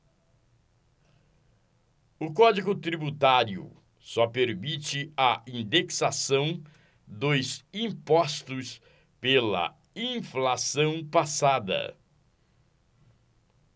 o código tributário só permite a indexação dos impostos pela inflação passada